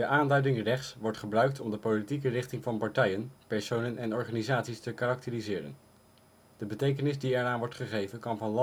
aanduiding rechts wordt gebruikt om de politieke richting van partijen, personen en organisaties te karakteriseren. De betekenis die eraan wordt gegeven kan van